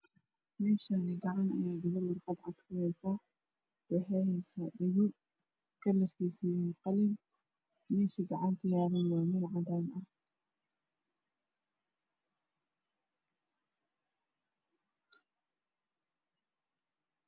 Meeshaani waxay haysaa dhago kalarkisa qalin meesha uu yaalana cadaan